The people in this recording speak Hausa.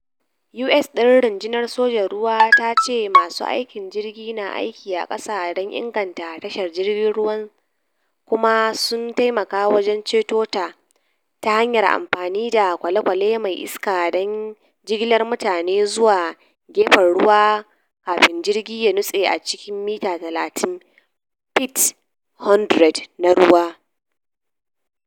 U.S din. Rundunar sojan ruwa ta ce masu aikin jirgi na aiki a kusa don inganta tashar jirgin ruwa kuma sun taimaka wajen ceto ta hanyar amfani da kwale-kwale mai iska don jigilar mutane zuwa gefen ruwa kafin jirgi ya nutse a cikin mita 30 (feet 100) na ruwa.